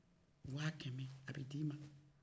waa kɛmɛ a bɛ d'i ma